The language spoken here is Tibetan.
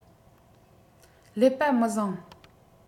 ཀླད པ མི བཟང